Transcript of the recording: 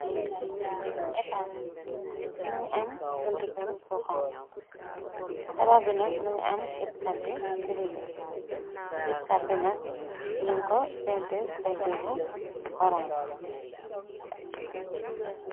Tabax bi etas mingi am buntukar bu xon tabax bi nag mingi am keka bi sibi kép kap bi nak ñun ko pentër penter bu orange.